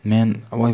men voy